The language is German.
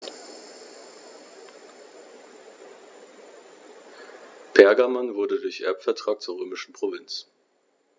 Pergamon wurde durch Erbvertrag zur römischen Provinz.